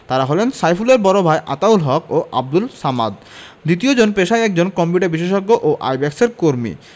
তাঁরা হলেন সাইফুলের বড় ভাই আতাউল হক ও আবদুল সামাদ দ্বিতীয়জন পেশায় একজন কম্পিউটার বিশেষজ্ঞ ও আইব্যাকসের কর্মী